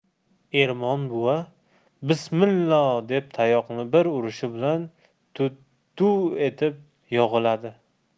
ermon buva bismillo deb tayoqni bir urishi bilan duv etib tut yog'iladi